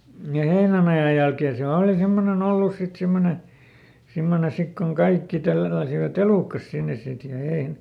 ja heinänajan jälkeen siellä oli semmoinen ollut sitten semmoinen semmoinen sitten kun kaikki tälläsivät elukkansa sinne sitten ja -